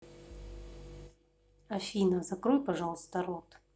афина закрой пожалуйста рот